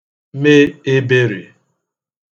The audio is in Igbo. me eberè